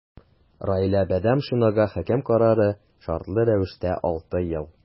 Раилә Бадамшинага хөкем карары – шартлы рәвештә 6 ел.